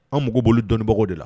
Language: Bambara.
An mago b'olu dɔnnibagaw de la